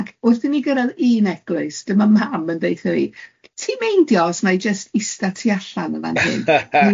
Ac wrth i ni gyrraedd un eglwys, dyma mam yn deud 'tha fi, ti'n meindio os wna i jyst ista tu allan yn fan hyn?